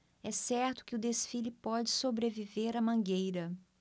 é certo que o desfile pode sobreviver à mangueira